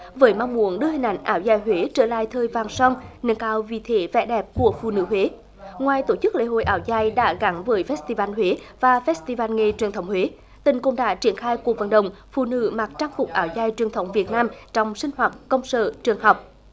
với mong muốn đưa hình ảnh áo dài huế trở lại thời vàng son nâng cao vị thế vẻ đẹp của phụ nữ huế ngoài tổ chức lễ hội áo dài đã gắn với phét ti van huế và phét ti van nghề truyền thống huế tỉnh cũng đã triển khai cuộc vận động phụ nữ mặc trang phục áo dài truyền thống việt nam trong sinh hoạt công sở trường học